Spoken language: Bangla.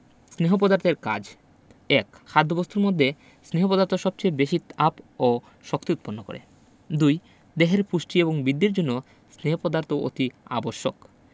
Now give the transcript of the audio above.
স্নেহ পদার্থের কাজ ১ খাদ্যবস্তুর মধ্যে স্নেহ পদার্থ সবচেয়ে বেশী তাপ ও শক্তি উৎপন্ন করে ২ দেহের পুষ্টি এবং বৃদ্ধির জন্য স্নেহ পদার্থ অতি আবশ্যক